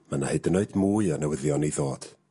...ma' 'na hyd yn oed mwy o newyddion i ddod.